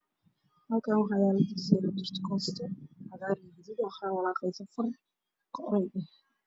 Waa dugsi waxaa ku karaayo cunto midabkeedu yahay cagaar waxaa ku jirto qaado ula ah